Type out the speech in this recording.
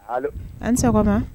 Allo , a ni sɔgɔma